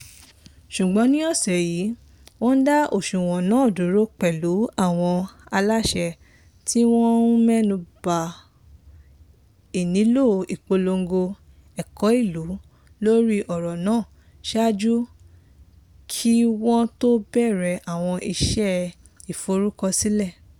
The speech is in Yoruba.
Ṣùgbọ́n ní ọ̀sẹ̀ yìí, wọ́n dá òṣùwọ̀n náà dúró, pẹ̀lú àwọn aláṣẹ tí wọ́n ń mẹ́nuba ìnílò ìpolongo 'Ẹ̀kọ́ Ìlú' lórí ọ̀rọ̀ náà ṣáájú kí wọ́n tó bẹ̀rẹ̀ àwọn iṣẹ́ ìforúkọsílẹ̀.